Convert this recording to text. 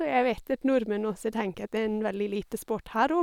Og jeg vet at nordmenn også tenker at det er en veldig lite sport her òg.